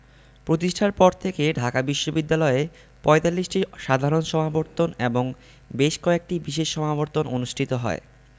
প্রতিষ্ঠার পর থেকে ঢাকা বিশ্ববিদ্যালয়ে ৪৫টি সাধারণ সমাবর্তন এবং বেশ কয়েকটি বিশেষ সমাবর্তন অনুষ্ঠিত হয়